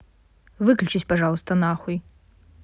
выключись пожалуйста нахуй